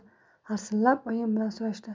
harsillab oyim bilan ko'rishdi